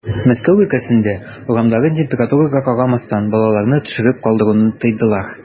Мәскәү өлкәсендә, урамдагы температурага карамастан, балаларны төшереп калдыруны тыйдылар.